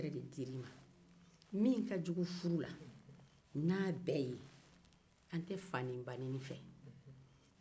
min ka jugu furu la n'a bɛɛ ye an tɛ fanibanɛni fɛ